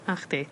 A chdi.